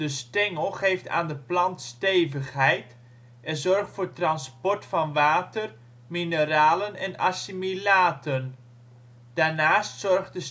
stengel geeft aan de plant stevigheid en zorgt voor transport van water, mineralen en assimilaten. Daarnaast zorgt de